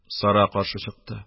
Сара каршы чыкты.